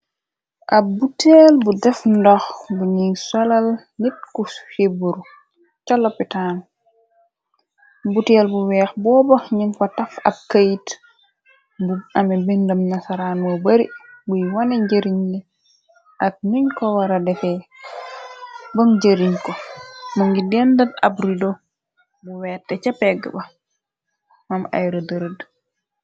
Ab botale bu def ndox buñuy solal nit ku siburu ca lopitaan botale bu weex boobax nun fo taf ab këyit bu ame bindam nasaraan boo bari bui wane njëriñ gi ak ñuñ ko wara defee bëm jëriñ ko mongi dendan ab rido bu wertax te ci pegga ba mo am ay reda reda.